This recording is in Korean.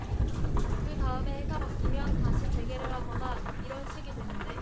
그 다음에 해가 바뀌면 다시 재개를 하거나 이런 식이 되는데